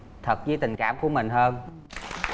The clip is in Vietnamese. thật dới tình cảm của mình hơn